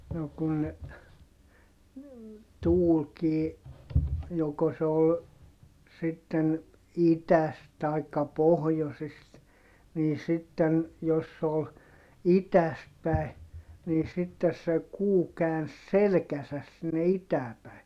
no kun ne tuulikin joko se oli sitten idästä tai pohjoisesta niin sitten jos se oli idästä päin niin sitten se kuu käänsi selkänsä sinne itään päin